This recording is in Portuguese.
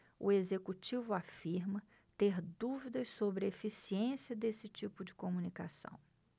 o executivo afirma ter dúvidas sobre a eficiência desse tipo de comunicação